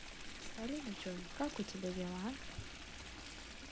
салют джой как у тебя дела